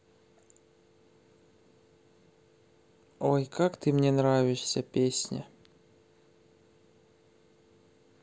ой как ты мне нравишься песня